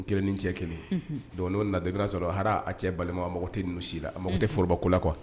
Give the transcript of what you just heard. N kelen ni cɛ kelen don n' na sɔrɔ aa cɛ balima mago tɛ ninnu si la a mako tɛ foroorobala kɔ